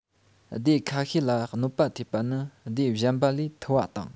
སྡེ ཁ ཤས ལ གནོད པ ཐེབས པ ནི སྡེ གཞན པ ལས ཐུ བ དང